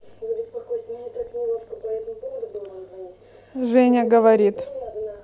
женя говорит